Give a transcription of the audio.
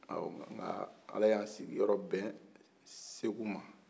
nka ala y'a sigiyɔrɔ bɛ sugu ma